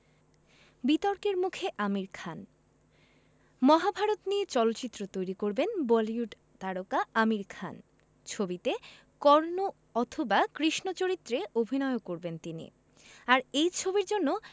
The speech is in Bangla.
বিতর্কের মুখে আমির খান মহাভারত নিয়ে চলচ্চিত্র তৈরি করবেন বলিউড তারকা আমির খান ছবিতে কর্ণ অথবা কৃষ্ণ চরিত্রে অভিনয়ও করবেন তিনি আর এই ছবির জন্য